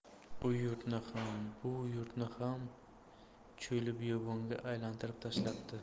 u yurtni ham bu yurtni ham cho'lbiyobonga aylantirib tashlabdi